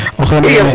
oxene